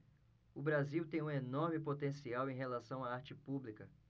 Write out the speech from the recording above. o brasil tem um enorme potencial em relação à arte pública